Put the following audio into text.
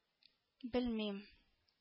— белмим…